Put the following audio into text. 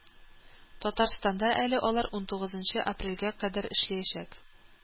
Татарстанда әле алар унтугызынчы апрельгә кадәр эшләячәк